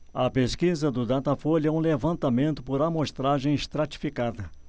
a pesquisa do datafolha é um levantamento por amostragem estratificada